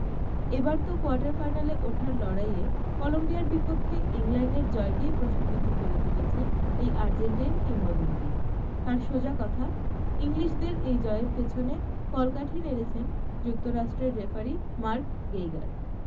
এবার তো কোয়ার্টার ফাইনালে ওঠার লড়াইয়ে কলম্বিয়ার বিপক্ষে ইংল্যান্ডের জয়কেই প্রশ্নবিদ্ধ করে তুলেছেন এই আর্জেন্টাইন কিংবদন্তি তাঁর সোজা কথা ইংলিশদের এই জয়ের পেছনে কলকাঠি নেড়েছেন যুক্তরাষ্ট্রের রেফারি মার্ক গেইগার